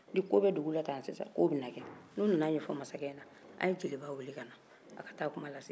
ni ko bɛ dugu la tan sisan k'o bɛna kɛ n'u nana ɲɛfɔ masakɛ ɲena a ye jeliba wele ka na a ka taa a kumalasigi la